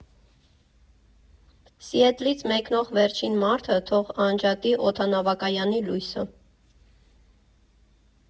Սիեթլից մեկնող վերջին մարդը թող անջատի օդանավակայանի լույսը։